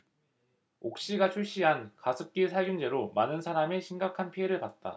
옥시가 출시한 가습기살균제로 많은 사람이 심각한 피해를 봤다